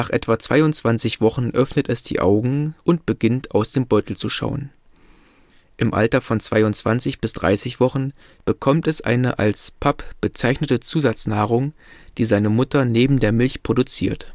etwa 22 Wochen öffnet es die Augen und beginnt aus dem Beutel zu schauen. Im Alter von 22 bis 30 Wochen bekommt es eine als „ Papp “bezeichnete Zusatznahrung, die seine Mutter neben der Milch produziert